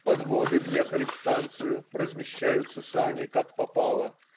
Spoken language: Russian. Подводы въехали в станицу, размещаются сами как попало.